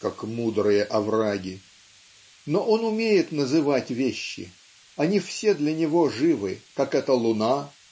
"как мудрые овраги"), но он умеет называть вещи они все для него живы как эта луна